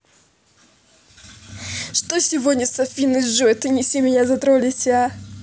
что сегодня с афиной джой ты неси меня затролить а